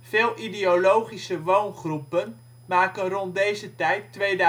Veel ideologische woongroepen maken rond deze tijd (2005